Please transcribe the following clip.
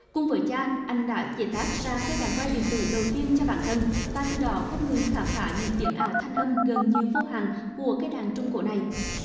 cùng với cha anh đã chế tác ra cây đàn quay điện tử đầu tiên cho bản thân và từ đó không ngừng khám phá những biến ảo thanh âm gần như vô hạn của cây đàn trung cổ này